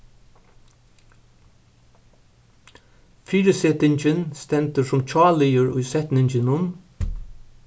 fyrisetingin stendur sum hjáliður í setninginum